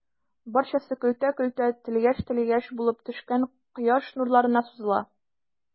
Барчасы көлтә-көлтә, тәлгәш-тәлгәш булып төшкән кояш нурларына сузыла.